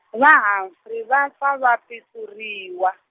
va Humphrey va pfa va pitsuriwa.